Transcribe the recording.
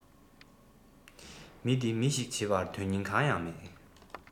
མི འདི མི ཞིག བྱེད པར དོན རྙིང གང ཡང མེད